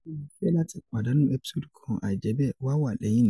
O le fẹ lati padanu ẹpisodu kan aijẹbẹ, wa wa lehin ni.